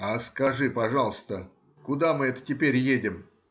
— А скажи, пожалуйста: куда мы это теперь едем?